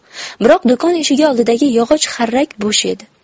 biroq do'kon eshigi oldidagi yog'och xarrak bo'sh edi